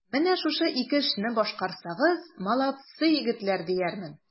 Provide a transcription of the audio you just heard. Менә шушы ике эшне башкарсагыз, молодцы, егетләр, диярмен.